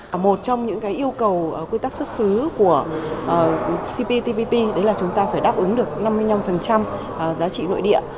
à một trong những cái yêu cầu ở quy tắc xuất xứ của xi pi ti pi pi đấy là chúng ta phải đáp ứng được năm mươi nhăm phần trăm giá trị nội địa